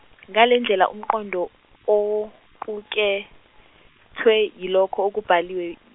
ngalendlela umqondo, oqukuthwe yilokho okubhaliwe.